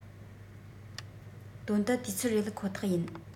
དོན དུ དུས ཚོད རེད ཁོ ཐག ཡིན